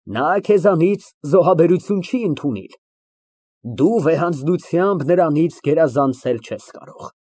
Նա քեզանից զոհաբերություն չի ընդունիլ։ Դու վեհանձնությամբ նրանից գերազանցել չես կարող»։